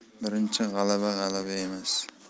birinchi g'alaba g'alaba emas